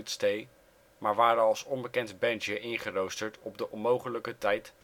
stay, maar waren als onbekend bandje ingeroosterd op de onmogelijke tijd